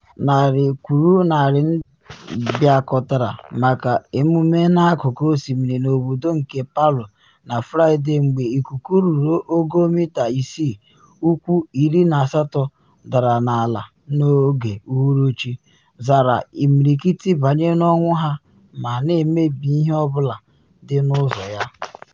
Narị kwụrụ narị ndị mmadụ bịakọtara maka emume n’akụkụ osimiri n’obodo nke Palu na Fraịde mgbe ikuku ruru ogo mita isii (ụkwụ 18) dara n’ala n’oge uhuruchi, zara imirikiti banye n’ọnwụ ha ma na emebi ihe ọ bụla dị n’ụzọ ya.